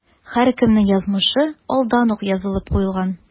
Һәркемнең язмышы алдан ук язылып куелган.